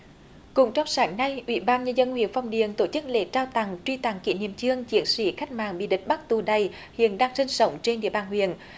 cúng trong sáng nay ủy ban nhân dân huyện phong điền tổ chức lễ trao tặng truy tặng kỷ niệm chương chiến sĩ cách mạng bị địch bắt tù đày hiện đang sinh sống trên địa bàn huyện